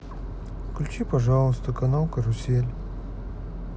включи пожалуйста канал карусель